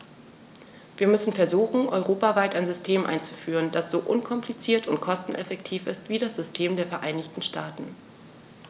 Wir müssen versuchen, europaweit ein System einzuführen, das so unkompliziert und kosteneffektiv ist wie das System der Vereinigten Staaten.